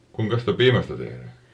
kuinka sitä piimästä tehdään